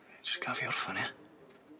Jys gad fi orffan ia?